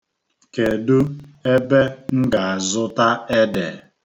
Kedu ebe m ga-azụta ede?